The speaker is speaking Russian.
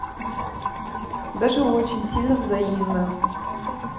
даже очень сильно взаимно